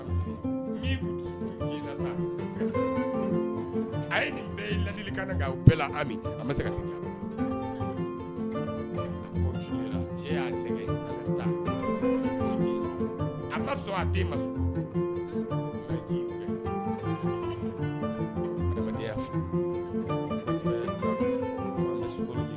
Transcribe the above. A ye ladili ka bɛɛ la se cɛ ka sɔrɔ a den ma